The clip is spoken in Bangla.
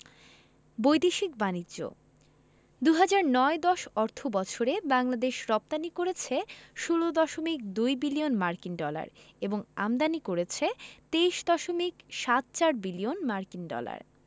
বৈদেশিক বাণিজ্যঃ ২০০৯ ১০ অর্থবছরে বাংলাদেশ রপ্তানি করেছে ১৬দশমিক ২ বিলিয়ন মার্কিন ডলার এবং আমদানি করেছে ২৩দশমিক সাত চার বিলিয়ন মার্কিন ডলার